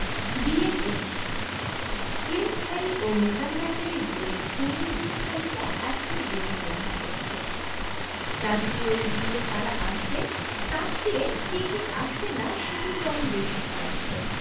বিয়ের অতিথি Prince Harry ও মেগান মার্কেলের বিয়ের পূর্ণ অতিথি তালিকা এখনো গোপন রাখা হয়েছে রাজকীয় এই বিয়েতে কারা আসবেন তার চেয়ে কে কে আসবেন না সেটিই বরং বেশি ছড়াচ্ছে